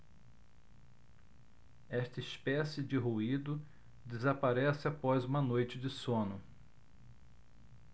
esta espécie de ruído desaparece após uma noite de sono